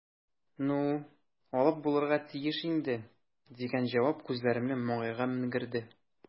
"ну, алып булырга тиеш инде", – дигән җавап күзләремне маңгайга менгерде.